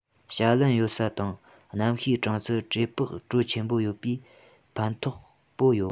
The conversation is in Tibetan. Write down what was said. བཞའ རླན ཡོད ས དང གནམ གཤིས གྲང སར དྲེད ལྤགས དྲོད ཆེན པོ ཡོད པས ཕན ཐོགས པོ ཡོང